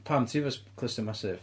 Pam, ti efo s- clustiau massive?